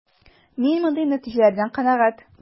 Мин мондый нәтиҗәләрдән канәгать.